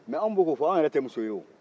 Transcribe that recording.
mɛ an minnu bɛ k'o fɔ an yɛrɛw tɛ muso ye o